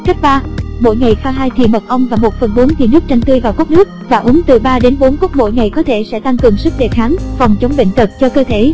cách mỗi ngày pha thìa mật ong và thìa nước chanh tươi vào cốc nước và uống cốc mỗi ngày có thể sẽ tăng cường sức đề kháng phòng chống bệnh tật cho cơ thể